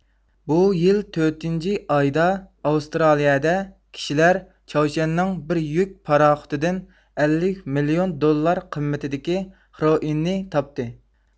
بۇ يىل تۆتىنچى ئايدا ئاۋسترالىيىدە كىشىلەر چاۋشيەننىڭ بىر يۈك پاراخوتىدىن ئەللىك مىليون دوللار قىممىتىدىكى خرۇئىننى تاپتى